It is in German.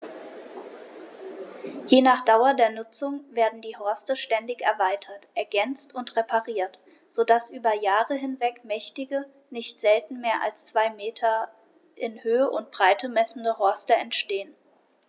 Je nach Dauer der Nutzung werden die Horste ständig erweitert, ergänzt und repariert, so dass über Jahre hinweg mächtige, nicht selten mehr als zwei Meter in Höhe und Breite messende Horste entstehen.